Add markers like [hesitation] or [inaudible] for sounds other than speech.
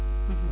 [hesitation] [hesitation]